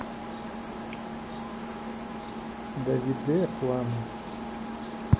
давиде планы